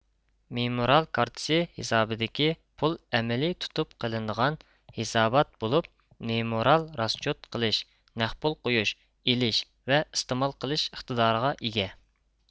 مېمورال كارتىسى ھېسابىدىكى پۇل ئەمەلىي تۇتۇپ قېلىنىدىغان ھېسابات بولۇپ مېمورال راسچوت قىلىش نەق پۇل قويۇش ئېلىش ۋە ئىستېمال قىلىش ئىقتىدارىغا ئىگە